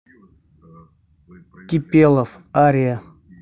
кипелов ария